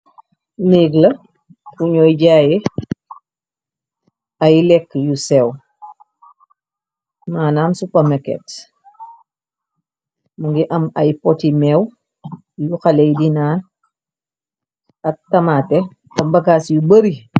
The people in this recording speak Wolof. Neeg la buñoy jaaye ay lekk yu seew, maanaam supermaket, mu ngi am ay poti mew yu xale yi denaan, ak tamaaté ak bagaas yu bari.